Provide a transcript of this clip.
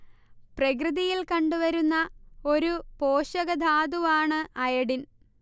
പ്രകൃതിയിൽ കണ്ടു വരുന്ന ഒരു പോഷകധാതുവാണ് അയഡിൻ